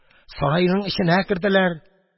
Сарайның эченә керделәр.